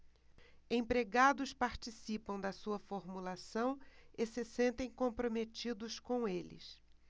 empregados participam da sua formulação e se sentem comprometidos com eles